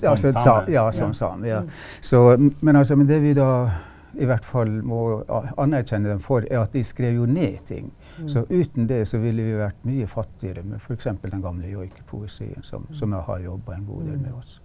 ja ja som same ja så, men altså men det vi da i hvert fall må anerkjenne dem for er at de skreiv jo ned ting så uten det så ville vi vært mye fattigere med f.eks. den gamle joikepoesien som som jeg har jobba og en god del med også.